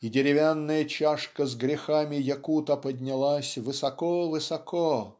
и деревянная чашка с грехами якута поднялась высоко-высоко.